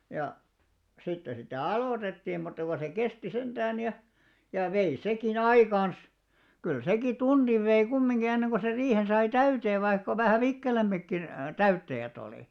ja sitten sitä aloitettiin mutta kun se kesti sentään ja ja vei sekin aikansa kyllä sekin tunnin vei kumminkin ennen kuin sen riihen sai täyteen vaikka vähän vikkelämmätkin täyttäjät oli